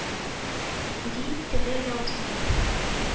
Ди, теге явызлар: